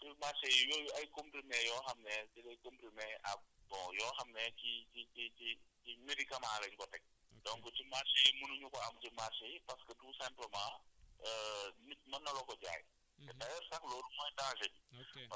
waaw waaw parce que ci marché yi marché yi yooyu ay comprimé yoo xam ne c' est des comprimés à bon yoo xam ne ci ci ci ci médicament la ñu ko teg donc ci marché yi munuñu ko am ci marché yi parce que tout simplement nit mën na la ko jaay